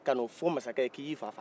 ka na o fɔ masakɛ ye k'i y'i fa faga